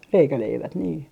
reikäleivät niin